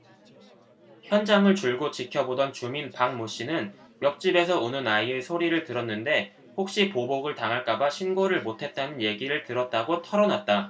현장을 줄곧 지켜보던 주민 박모씨는 옆집에서 우는 아이의 소리를 들었는데 혹시 보복을 당할까봐 신고를 못했다는 얘기를 들었다고 털어놨다